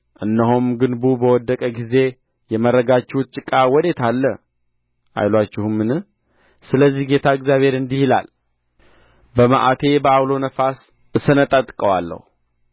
እነሆም ግንቡ በወደቀ ጊዜ የመረጋችሁት ጭቃ ወዴት አለ አይሉአችሁምን ስለዚህ ጌታ እግዚአብሔር እንዲህ ይላል በመዓቴ በዐውሎ ነፋስ እሰነጣጥቀዋለሁ